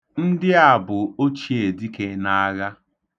Ndị a bụ ochiedike n'agha.